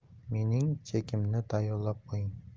mening chekimni tayyorlab qo'ying